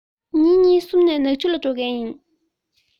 ཉིན གཉིས གསུམ ནས ནག ཆུར འགྲོ གི ཡིན